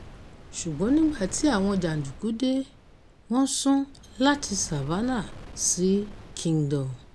Ṣùgbọ́n nígbà tí àwọn jàndùkú dé, wọ́n sún láti "Savannah" sí Kingdom'